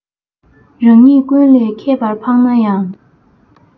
རང ཉིད ཀུན ལས ཁྱད པར འཕགས ན ཡང